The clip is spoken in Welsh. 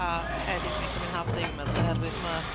A heddiw fi'n cymryd half day fi'n meddwl, oherwydd ma'...